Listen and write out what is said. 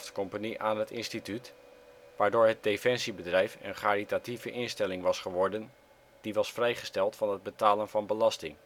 Company aan het instituut, waardoor het defensiebedrijf een charitatieve instelling was geworden die was vrijgesteld van het betalen van belasting